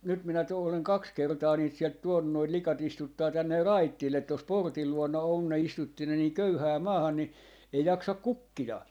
nyt minä - olen kaksi kertaa niitä sieltä tuonut noita likat istuttaa tänne raitille tuossa portin luona on ne istutti ne niin köyhään maahan niin ei jaksa kukkia